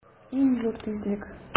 Иң зур тизлек!